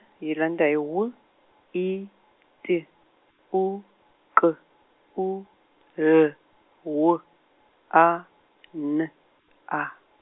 yi landza ya, W I T U K U L W A N A.